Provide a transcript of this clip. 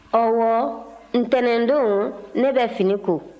ɔwɔ ntɛnɛndon ne bɛ fini ko